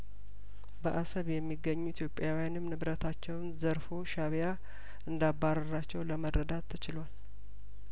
በአሰብ የሚገኙ ኢትዮጵያውያንምንብረታቸውን ዘርፎ ሻእቢያእንዳ ባረራቸው ለመረዳት ተችሏል